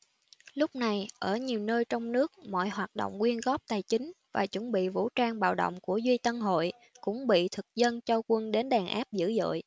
lúc này ở nhiều nơi trong nước mọi hoạt động quyên góp tài chính và chuẩn bị vũ trang bạo động của duy tân hội cũng bị thực dân cho quân đến đàn áp dữ dội